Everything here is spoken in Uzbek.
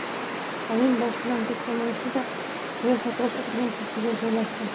oyim boshimdan do'ppimni yechdi da boya sartarosh o'tirgan kursiga joylashdi